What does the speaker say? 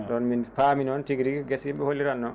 ɗon min paami noon tigii rigii geese yimɓe o holliranno